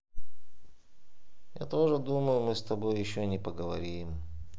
я тоже думаю мы с тобой еще не поговорим